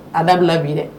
A dabila bi dɛ.